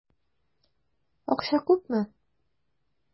Акча күпме?